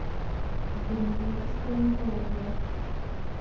древнегреческая мифология